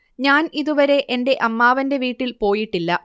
ഞാൻ ഇതുവരെ എന്റെ അമ്മാവന്റെ വീട്ടിൽ പോയിട്ടില്ല